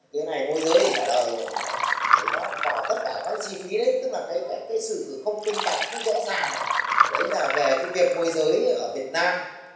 thế này môi giới thì trả lời thì nó vào tất cả các cái chi phí đấy tức là cái cái cái sự không minh bạch không rõ ràng đấy là về cái việc môi giới ở việt nam